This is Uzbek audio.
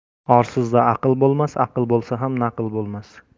orsizda aql bo'lmas aql bo'lsa ham naql bo'lmas